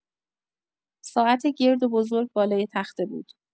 ساعت گرد و بزرگ بالای تخته بود.